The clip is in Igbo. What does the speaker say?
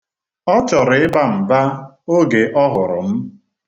Ọ chọrọ ịba mba oge ọ hụrụ m.